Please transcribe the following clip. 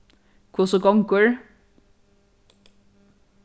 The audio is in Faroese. hvussu gongur